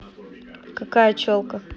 какая челка